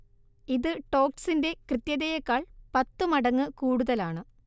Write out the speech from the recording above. ഇത് ടോർക്സിന്റെ കൃത്യതയേക്കാൾ പത്തു മടങ്ങ് കൂടുതലാണ്